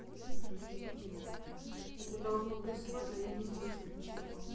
это должно прислать а я не слышу ничего